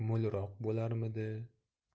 sut mo'lroq bo'larmidi